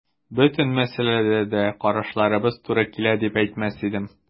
Бөтен мәсьәләдә дә карашларыбыз туры килә дип әйтмәс идем.